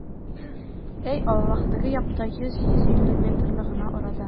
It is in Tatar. Йа Аллаһ, теге якта, йөз, йөз илле метрлы гына арада!